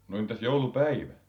no entäs joulupäivä